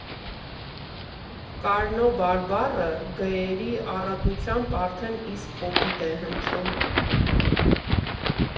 Կարնո բարբառը «գ»֊երի առատությամբ արդեն իսկ կոպիտ է հնչում։